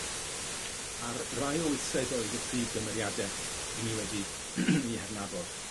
ar rai o weithredoedd y prif gymeriade 'yn ni wedi 'u hadnabod.